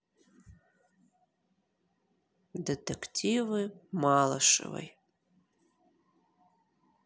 детективы малышевой